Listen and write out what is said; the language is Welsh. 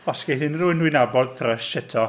Os geith unrhyw un dwi'n nabod thrush eto.